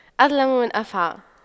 أظلم من أفعى